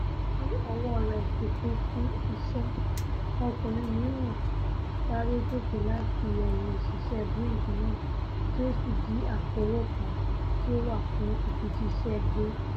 Níbití ọwọ́ rẹ̀ ti kún fún iṣẹ́, ọkùnrin mìíràn ''sáré gòkè láti ẹ̀yìn òṣìṣẹ́ Brink náà'' tí ó sì jí àpò owó kan tí ó wà fún ìfijíṣẹ́ gbé.